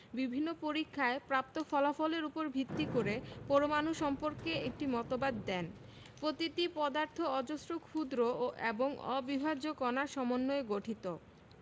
বিভিন্ন পরীক্ষায় প্রাপ্ত ফলাফলের উপর ভিত্তি করে পরমাণু সম্পর্কে একটি মতবাদ দেন প্রতিটি পদার্থ অজস্র ক্ষুদ্র এবং অবিভাজ্য কণার সমন্বয়ে গঠিত